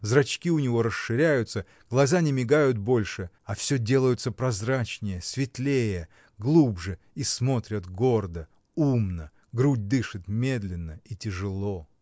Зрачки у него расширяются, глаза не мигают больше, а всё делаются прозрачнее, светлее, глубже и смотрят гордо, умно, грудь дышит медленно и тяжело.